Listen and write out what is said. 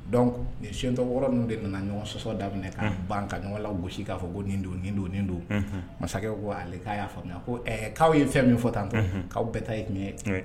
Don sentɔ wɔɔrɔɔrɔn de nana ɲɔgɔn sɔsɔda ban ka ɲɔgɔn la gosi k'a fɔ ko nin don ni don nin don masakɛ ko ale k'a y'a faamuya ɛɛ' aw ye fɛn min fɔ tan'aw bɛɛ taa ye tiɲɛ ye